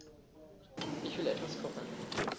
Ich will etwas kochen.